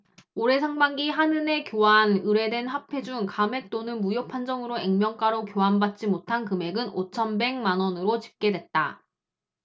올해 상반기 한은에 교환 의뢰된 화폐 중 감액 또는 무효판정으로 액면가로 교환받지 못한 금액은 오천 백 만원으로 집계됐다